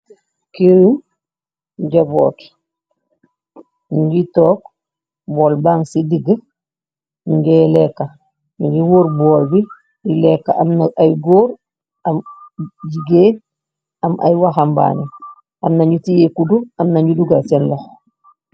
kerr njobut nu ngi toog bool ban ci digg ngi lekka ngi wóor bool bi di lekka ay góor a jigéen am ay waxambaani amnañu tiye kuddu am nañu duga seen lox.